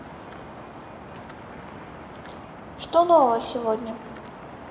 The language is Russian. что нового сегодня